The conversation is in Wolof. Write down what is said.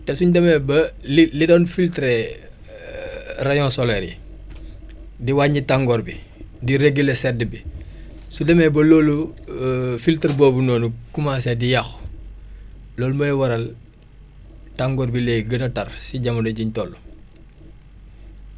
te suñ demee ba li li doon filtré rayon solaire yi di wàññi tàngoor bi di réguler sedd bi su demee ba loolu filtre boobu noonu commencé di yàqu loolu mooy waral tàngoor bi léegi gën a tar si jamono jiñ toll